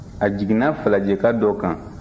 a jiginna falajɛka dɔ kan